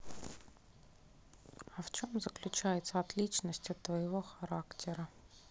а в чем заключается отличность от твоего характера